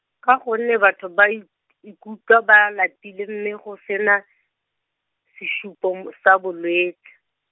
ka gonne batho ba ik-, ikutlwa ba lapile mme go sena, sesupo m- sa bolwetsi.